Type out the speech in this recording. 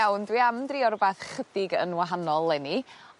...iawn dwi am drio rwbath chydig yn wahanol leni.